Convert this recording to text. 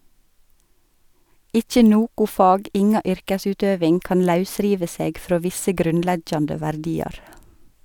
Ikkje noko fag, inga yrkesutøving, kan lausrive seg frå visse grunnleggjande verdiar.